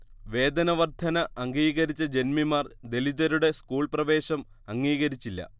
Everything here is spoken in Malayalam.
വേതനവർധന അംഗീകരിച്ച ജന്മിമാർ ദലിതരുടെ സ്കൂൾപ്രവേശം അംഗീകരിച്ചില്ല